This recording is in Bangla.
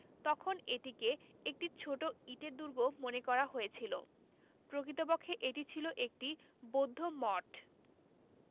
তখন এটিকে একটি ছোট ইটের দুর্গ মনে করা হয়েছিল প্রকৃতপক্ষে এটি ছিল একটি বৌদ্ধ মঠ